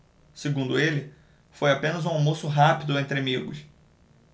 segundo ele foi apenas um almoço rápido entre amigos